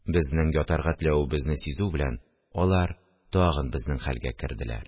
Безнең ятарга теләвебезне сизү белән, алар тагын безнең хәлгә керделәр